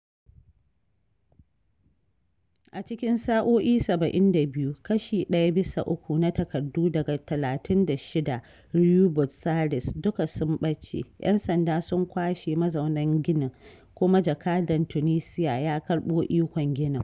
A cikin sa’o’i 72, kashi ɗaya bisa uku na takardu daga 36 rue Botzaris duka sun ɓace, ‘yan sanda sun kwashe mazaunan ginin, kuma jakadan (Tunisia) ya karɓo ikon ginin.